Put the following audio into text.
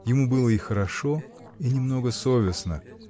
Ему было и хорошо и немного совестно.